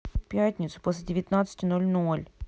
в пятницу после девятнадцати ноль ноль